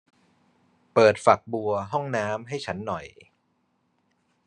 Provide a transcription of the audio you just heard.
เปิดฝักบัวห้องน้ำให้ฉันหน่อย